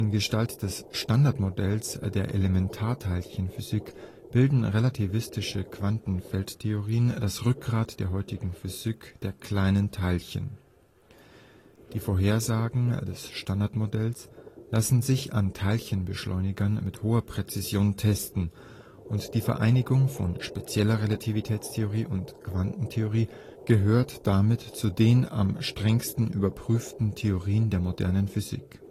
Gestalt des Standardmodells der Elementarteilchenphysik bilden relativistische Quantenfeldtheorien das Rückgrat der heutigen Physik der kleinsten Teilchen. Die Vorhersagen des Standardmodells lassen sich an Teilchenbeschleunigern mit hoher Präzision testen, und die Vereinigung von spezieller Relativitätstheorie und Quantentheorie gehört damit zu den am strengsten überprüften Theorien der modernen Physik